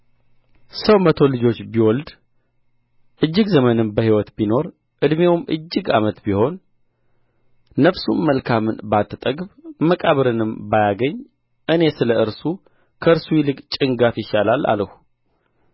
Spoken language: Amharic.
ሰው መቶ ልጆች ቢወልድ እጅግ ዘመንም በሕይወት ቢኖር ዕድሜውም እጅግ ዓመት ቢሆን ነፍሱም መልካምን ባትጠግብ መቃብርንም ባያገኝ እኔ ስለ እርሱ ከእርሱ ይልቅ ጭንጋፍ ይሻላል አልሁ